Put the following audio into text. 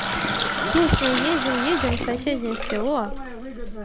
песня едем едем в соседнее село